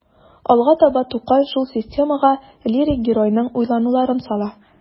Алга таба Тукай шул системага лирик геройның уйлануларын сала.